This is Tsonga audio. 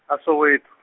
a Soweto.